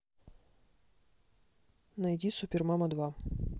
найди супер мама два